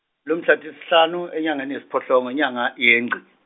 lomhla tisihlanu, enyangeni yesiphohlongo inyanga, yeNgci.